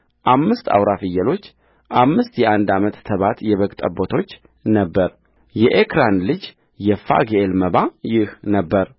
አምስት አውራ ፍየሎች አምስት የአንድ ዓመት ተባት የበግ ጠቦቶች ነበረ የኤክራን ልጅ የፋግኤል መባ ይህ ነበረ